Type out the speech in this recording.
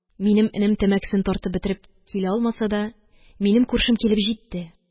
Минем энем тәмәкесен тартып бетереп килә алмаса да, минем күршем килеп җитте.